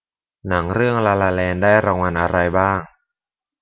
หนังเรื่องลาลาแลนด์ได้รางวัลอะไรบ้าง